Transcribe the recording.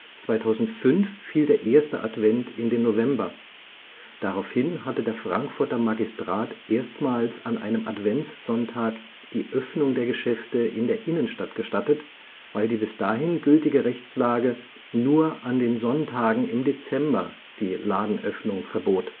2005 fiel der erste Advent in den November. Daraufhin hatte der Frankfurter Magistrat erstmals an einem Adventssonntag die Öffnung der Geschäfte in der Innenstadt gestattet, weil die bis dahin gültige Rechtslage nur an den Sonntagen im Dezember die Ladenöffnung verbot